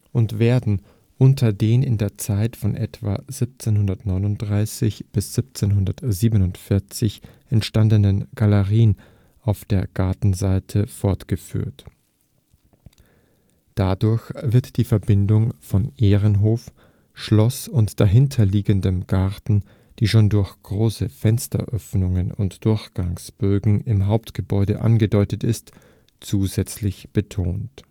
und werden unter den in der Zeit von etwa 1739 bis 1747 entstandenen Galerien auf der Gartenseite fortgeführt. Dadurch wird die Verbindung von Ehrenhof, Schloss und dahinterliegendem Garten, die schon durch große Fensteröffnungen und Durchgangsbögen im Hauptgebäude angedeutet ist, zusätzlich betont